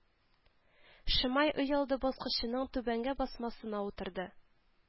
Шимай өйалды баскычының түбәнге басмасына утырды